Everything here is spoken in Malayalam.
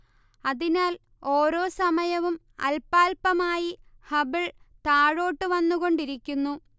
അതിനാൽ ഓരോ സമയവും അല്പാല്പമായി ഹബിൾ താഴോട്ടു വന്നുകൊണ്ടിരിക്കുന്നു